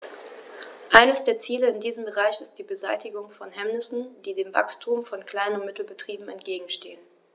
Eines der Ziele in diesem Bereich ist die Beseitigung von Hemmnissen, die dem Wachstum von Klein- und Mittelbetrieben entgegenstehen.